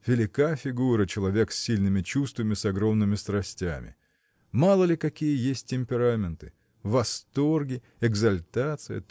Велика фигура – человек с сильными чувствами, с огромными страстями! Мало ли какие есть темпераменты? Восторги, экзальтация